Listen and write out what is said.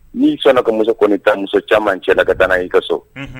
N'i fana ka muso kɔni ta muso caman cɛ la ka danana i ka so